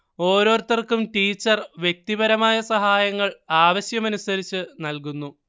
ഓരോരുത്തർക്കും ടീച്ചർ വ്യക്തിപരമായ സഹായങ്ങൾ ആവശ്യമനുസരിച്ച് നൽകുന്നു